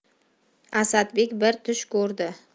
asabdek bir tush ko'rdi